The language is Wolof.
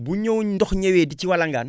bu ñë ndox ñëwee di si walangaan